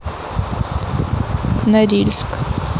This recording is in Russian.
норильск